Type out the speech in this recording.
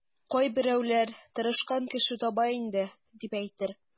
Кайберәүләр тырышкан кеше таба инде, дип әйтер.